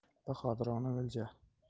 bahodirona o'lja